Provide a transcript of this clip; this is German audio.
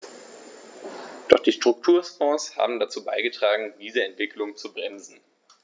Doch die Strukturfonds haben dazu beigetragen, diese Entwicklung zu bremsen.